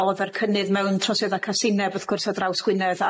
o'dd yr cynnydd mewn trosiadda casineb wrth gwrs ar draws Gwynedd